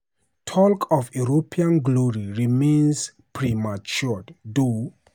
Talk of European glory remains premature, though.